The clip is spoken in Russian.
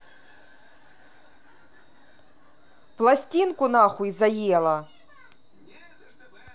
пластинку нахуй заела